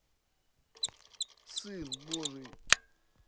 сын божий